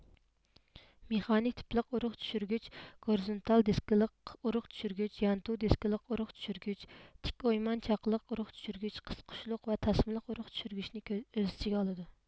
مېخانىك تىپلىق ئۇرۇق چۈشۈرگۈچ گورىزۇنتال دىسكىلىق ئۇرۇق چۈشۈرگۈچ يانتۇ دېسكىلىق ئۇرۇق چۈشۈرگۈچ تىك ئويمان چاقلىق ئۇرۇق چۈشۈرگۈچ قىسقۇچلۇق ۋە تاسمىلىق ئۇرۇق چۈشۈرگۈچنى ئۆز ئىچىگە ئالىدۇ